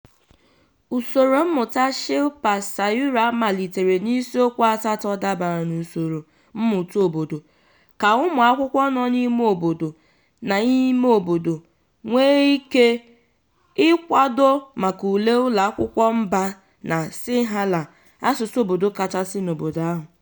Usoro mmụta Shilpa Sayura malitere n'isiokwu asatọ dabara n'usoro mmụta obodo ka ụmụakwụkwọ nọ n'ime ime obodo na imeobodo nwee ike ịkwado maka ule ụlọakwụkwọ mba na Sinhala, asụsụ obodo kachasị n'obodo ahụ.